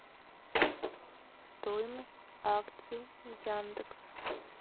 стоимость акций яндекса